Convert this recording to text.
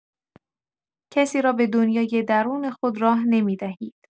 کسی را به دنیای درون خود راه نمی‌دهید.